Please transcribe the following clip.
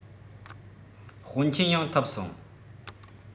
དཔོན ཆེན ཡང ཐུབ སོང